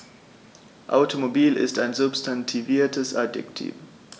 Automobil ist ein substantiviertes Adjektiv.